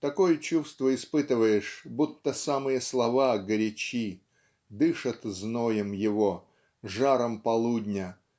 такое чувство испытываешь будто самые слова горячи дышат зноем его жаром полудня